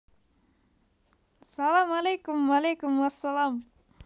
салам алейкум малейкум асалам